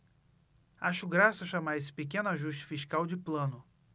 acho graça chamar esse pequeno ajuste fiscal de plano